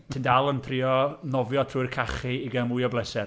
Ti'n dal yn trio nofio trwy'r cachu i gael mwy o bleser.